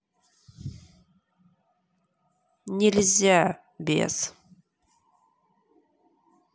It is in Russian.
нельзя без